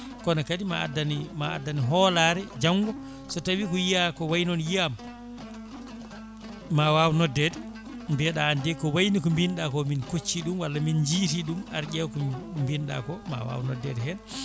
kono kadi ma addane ma addane hoolare janggo so tawi ko yiiya ko wayi noon yiiyama ma waw noddede mbiyeɗa an de ko wayni ko mbinoɗa ko min kocci ɗum walla jiiti ɗum ar ƴeew ko mbinoɗa ko ma waw noddede hen